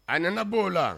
A nana'o la